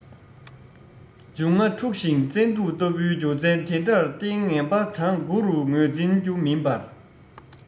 འབྱུང ལྔ འཁྲུགས ཤིང བཙན དུག ལྟ བུའི རྒྱུ མཚན དེ འདྲར བརྟེན ངན པ གྲངས དགུ རུ ངོས འཛིན རྒྱུ མིན པར